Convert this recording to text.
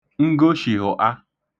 ngoshìhụ̀ta